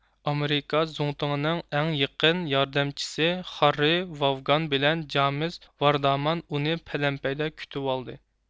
ئامېرىكا زۇڭتۇڭىنىڭ ئەڭ يېقىن ياردەمچىسى خاررى ۋاۋگان بىلەن جامېس ۋاردامان ئۇنى پەلەمپەيدە كۈتۈۋالدى